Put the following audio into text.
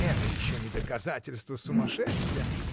— Это еще не доказательство сумасшествия.